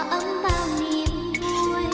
bao niềm vui